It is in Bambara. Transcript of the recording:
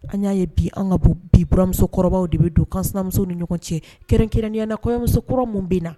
An ɲa ye bi an ka bu bi buranmusokɔrɔbaw de be don kansinamusow ni ɲɔgɔn cɛ kɛrɛnkɛrɛnnenya na kɔɲɔmusokura min bɛ na